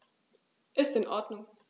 Ist in Ordnung.